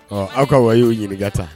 Ɔ aw ka wa y'o ɲininkaka ta